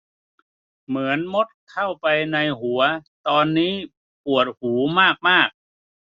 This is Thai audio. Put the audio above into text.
เหมือนมดเข้าไปในหัวตอนนี้ปวดหูมากมาก